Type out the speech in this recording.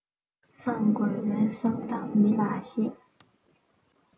གསང དགོས པའི གསང གཏམ མི ལ བཤད